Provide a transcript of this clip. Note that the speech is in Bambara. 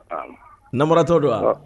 Naratɔ don wa